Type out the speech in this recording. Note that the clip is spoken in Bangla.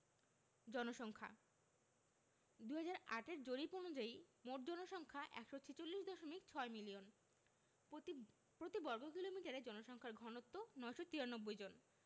জনসংখ্যাঃ ২০০৮ এর জরিপ অনুযায়ী মোট জনসংখ্যা ১৪৬দশমিক ৬ মিলিয়ন পতি প্রতি বর্গ কিলোমিটারে জনসংখ্যার ঘনত্ব ৯৯৩ জন